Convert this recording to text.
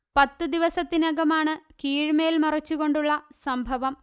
പത്തു ദിവസത്തിനകമാണ് കീഴ്മേൽ മറിച്ചു കൊണ്ടുള്ള സംഭവം